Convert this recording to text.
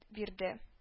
Бирде